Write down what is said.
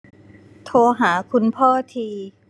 โทรหาคุณพ่อที